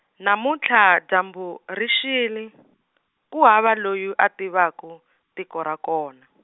namuntlha dyambu ri xile, ku hava loyi a tivaku tiko ra kona.